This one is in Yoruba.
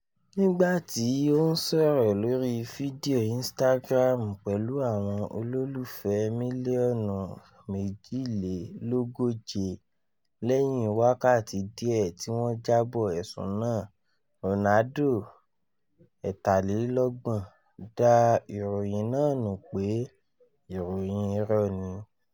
Nígbà tí ó ń sọ̀rọ̀ lórí Fídíò Instagram pẹ̀lú àwọn olólùfẹ́ míllíọ̀nù 142 lẹ́yìn wákàtí díẹ̀ tí wọ́n jábọ̀ ẹ̀sùn náà, Ronaldo, 33, dá ìròyìn náà nù pé “ìròyìn irọ́” ni.